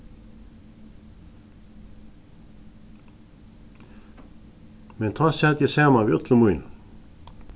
men tá sat eg saman við øllum mínum